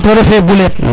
to refe buleet